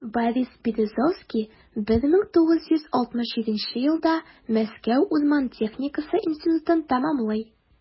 Борис Березовский 1967 елда Мәскәү урман техникасы институтын тәмамлый.